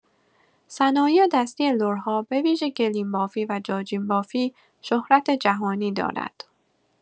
صنایع‌دستی لرها به‌ویژه گلیم‌بافی و جاجیم‌بافی شهرت جهانی دارد.